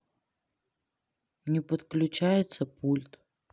не подключается пульт